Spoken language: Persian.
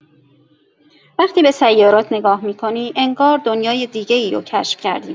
وقتی به سیارات نگاه می‌کنی، انگار دنیای دیگه‌ای رو کشف کردی.